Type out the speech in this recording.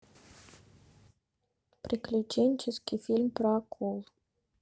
приключенческий фильм про акул